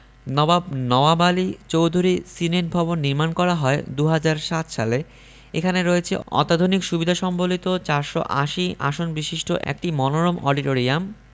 নবাব নওয়াব আলী চৌধুরী সিনেটভবন নির্মাণ করা হয় ২০০৭ সালে এখানে রয়েছে অত্যাধুনিক সুবিধা সম্বলিত ৪৮০ আসন বিশিষ্ট একটি মনোরম অডিটোরিয়াম